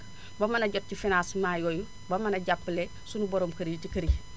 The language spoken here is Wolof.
ba mën a jot ci financement yooyu ba mën a jàppale suñu borom kër yi ci kër yi